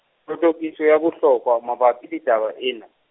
thothokiso ya bohlokwa, mabapi di taba ena.